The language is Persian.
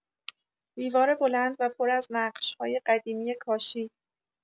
دیوار بلند و پر از نقش‌های قدیمی کاشی